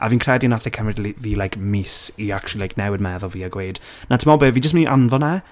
A fi'n credu wnaeth e cymryd li- fi like mis i actually like newid meddwl fi a gweud "na, timod be, fi jyst mynd i anfon e".